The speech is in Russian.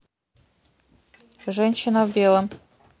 женщина в белом